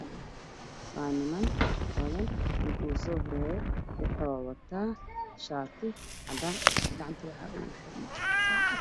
Waa niman badan ninka ugu soo horeeyo waxuu wataa shaar cadaan ah, gacanta waxaa ugu xiran saacad.